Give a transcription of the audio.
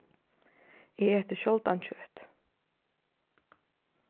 eg eti sjáldan kjøt